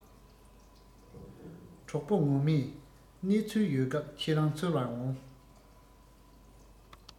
གྲོགས པོ ངོ མས གནས ཚུལ ཡོད སྐབས ཁྱེད རང འཚོལ བར འོང